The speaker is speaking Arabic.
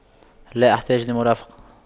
لا احتاج لمرافق